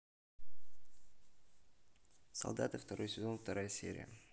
солдаты второй сезон вторая серия